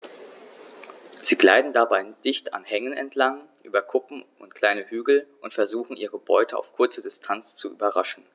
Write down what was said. Sie gleiten dabei dicht an Hängen entlang, über Kuppen und kleine Hügel und versuchen ihre Beute auf kurze Distanz zu überraschen.